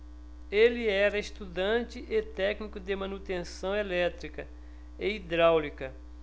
ele era estudante e técnico de manutenção elétrica e hidráulica